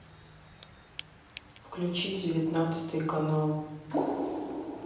включи девятнадцатый канал